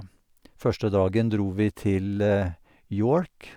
Første dagen dro vi til York.